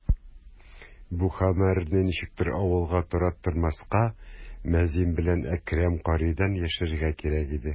Бу хәбәрне ничектер авылга тараттырмаска, мәзин белән Әкрәм каридан яшерергә кирәк иде.